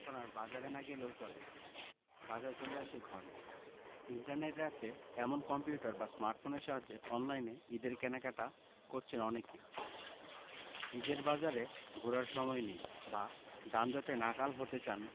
এখন আর বাজারে না গেলেও চলে বাজার চলে আসে ঘরে ইন্টারনেট আছে এমন কম্পিউটার বা স্মার্টফোনের সাহায্যে অনলাইনে ঈদের কেনাকাটা করছেন অনেকে ঈদের বাজারে ঘোরার সময় নেই বা যানজটে নাকাল হতে চান